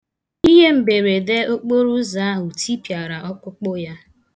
Ihe mberede okporoụzọ ahụ tipịara ọkpụkpụ ya.